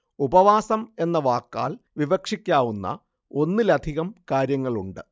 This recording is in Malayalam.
ഉപവാസം എന്ന വാക്കാൽ വിവക്ഷിക്കാവുന്ന ഒന്നിലധികം കാര്യങ്ങളുണ്ട്